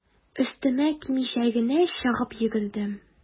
Өстемә кимичә генә чыгып йөгердем.